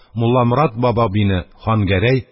Мулламорад баба бине Хан Гәрәй,